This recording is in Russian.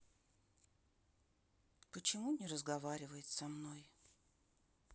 почему не разговаривает со мной